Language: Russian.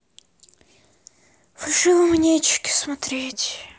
фальшивомонетчики смотреть